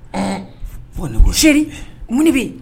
Ɛɛ bon seri mun bɛ yen